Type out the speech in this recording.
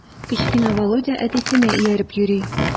Кечкенә Володя әтисенә ияреп йөри.